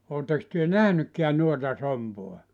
oletteko te nähnytkään noita sompia